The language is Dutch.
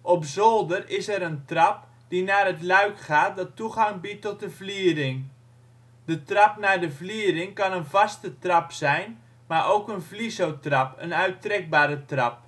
Op zolder is er een trap die naar het luik gaat dat toegang biedt tot de vliering. De trap naar de vliering kan een vaste trap zijn, maar ook een vlizotrap (uittrekbare trap).